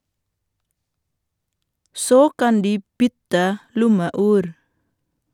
Så kan de bytte lommeur.